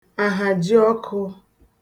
àhàjiọkụ̄